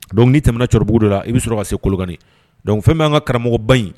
Dɔnku ni tɛmɛna cɛkɔrɔbabugu dɔ la i bɛ sɔrɔ a se kolokani dɔnku fɛn bɛ'an ka karamɔgɔba in